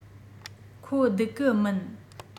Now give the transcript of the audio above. ཁོ བསྡུག གི མིན